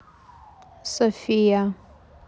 sofia